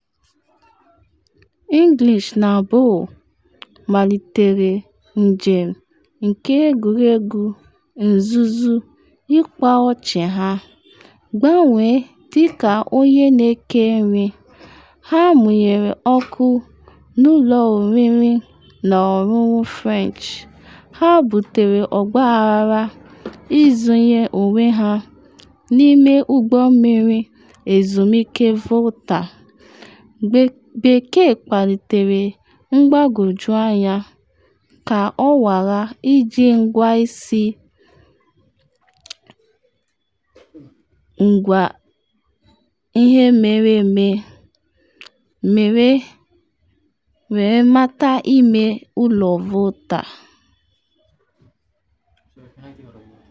English na Bough malitere njem nke egwuregwu nzuzu ịkpa ọchị ha: gbanwee dịka onye na-eke nri, ha mụnyere ọkụ n’ụlọ oriri na ọṅụṅụ French; ha butere ọgbaghara izunye onwe ha n’ime ụgbọ mmiri ezumike Volta; English kpalitere mgbagwoju anya ka ọ nwara iji ngwa isi Virtual Reality nwere mata ime ụlọ Volta.